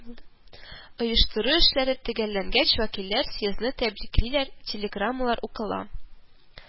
Оештыру эшләре төгәлләнгәч, вәкилләр съездны тәбриклиләр, телеграммалар укыла